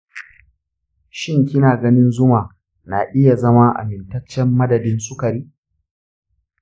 shin kina ganin zuma na iya zama amintaccen madadin sukari?